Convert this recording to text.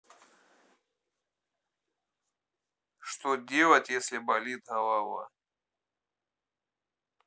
что делать если болит голова